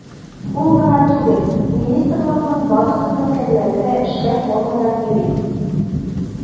Ул гына түгел, министрлыкның барлык хезмәткәрләре дә эшкә формадан йөри.